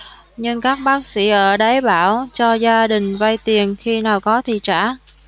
nhưng các bác sĩ ở đấy bảo cho gia đình vay tiền khi nào có thì trả